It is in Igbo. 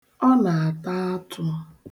Ọ na-ata atụ.